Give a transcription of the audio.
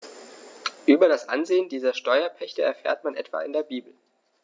Über das Ansehen dieser Steuerpächter erfährt man etwa in der Bibel.